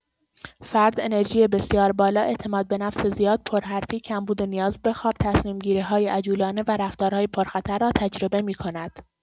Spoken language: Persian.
فرد انرژی بسیار بالا، اعتمادبه‌نفس زیاد، پرحرفی، کمبود نیاز به خواب، تصمیم‌گیری‌های عجولانه و رفتارهای پرخطر را تجربه می‌کند.